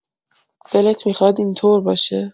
دلت می‌خواد اینطور باشه؟